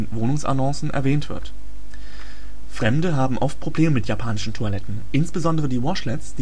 Wohnungsannoncen erwähnt wird. Fremde haben oft Probleme mit den japanischen Toiletten. Insbesondere die Washlets